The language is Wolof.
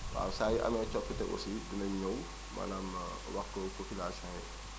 waaw saa yu amee coppite aussi nañ ñëw maanaam wax ko population yi